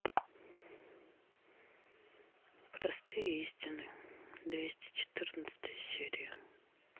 простые истины двести четырнадцатая серия